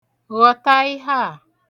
Ghọta ihe a.